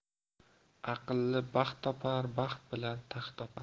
aqlli baxt topar baxt bilan taxt topar